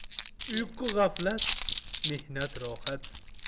uyqu g'aflat mehnat rohat